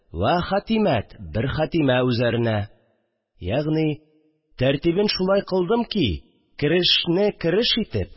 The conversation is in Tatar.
«вә хатимәт» бер хатимә үзәренә, ягъни тәртибен шулай кылдым ки: керешне кереш итеп